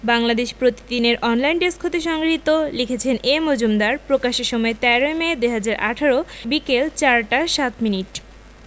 বাংলাদেশ প্রতিদিনের অনলাইনের ডেস্ক হতে সংগৃহীত লিখেছেন এ.মজুমদার প্রকাশের সময় ১৩ই মে ২০১৮ বিকেল ৪টা ৭মিনিট